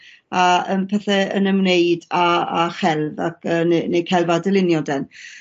a yy pethau yn ymwneud â â chelf ac yy ne- neu celf a dylunio den.